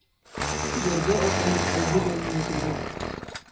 Ияргә атланып, вәзир янына кергән.